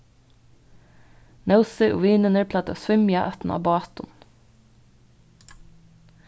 nósi og vinirnir plagdu at svimja aftan á bátum